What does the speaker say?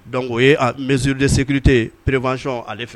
Dɔnkuc o ye npzurri sekirite perepcɔn ale fɛ